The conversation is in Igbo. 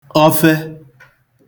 ọfe